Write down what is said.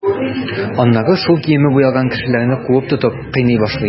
Аннары шул киеме буялган кешеләрне куып тотып, кыйный башлый.